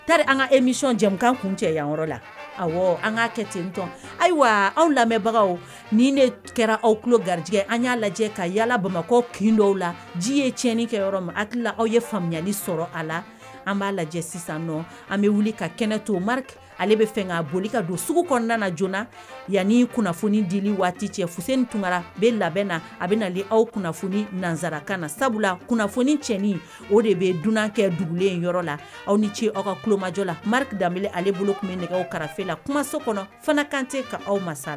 An emi cɛkan kun cɛ la ana kɛ ten ayiwa aw lamɛnbagaw ni ne kɛra aw tulo garijɛgɛ an y'a lajɛ ka yalala bamakɔ ki dɔw la ji ye tiɲɛn kɛ yɔrɔ ma aw ye faamuyayali sɔrɔ a la an b'a lajɛ sisan an bɛ wuli ka kɛnɛ to ale bɛ fɛ k'a boli ka don sugu kɔnɔna joonana yanani kunnafoni di waati cɛ fusen tunkara bɛ labɛn na a bɛ nali aw kunnafoni nansarak na sabula kunnafoni tiin o de bɛ dunan kɛ dugulen in yɔrɔ la aw ni ce aw ka kulomajɔ la mori dab ale bolo tun bɛ nɛgɛ kɛrɛfɛfe la kumaso kɔnɔ fana kan tɛ ka aw masasa